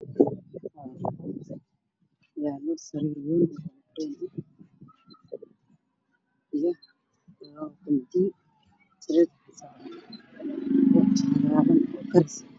Waa sariir waxaa saaran go cagaaran oo karis ah iyo madow isku jiro dhulka waa shumac laba koomadiina ayaa geesaha ka yaalo